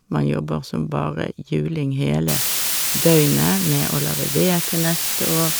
Man jobber som bare juling hele døgnet med å lage ved til neste år.